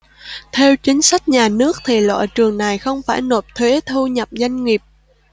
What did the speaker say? theo chính sách nhà nước thì loại trường này không phải nộp thuế thu nhập doanh nghiệp